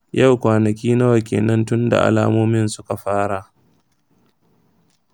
yau kwanaki nawa kenan tun da alamomin suka fara?